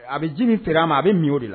A bɛ j t ma a bɛ mi o de la